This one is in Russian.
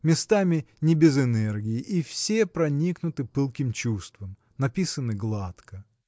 местами не без энергии и все проникнуты пылким чувством написаны гладко.